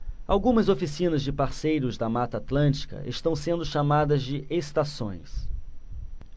algumas oficinas de parceiros da mata atlântica estão sendo chamadas de estações